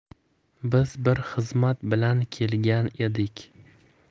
biz bir xizmat bilan kelgan edik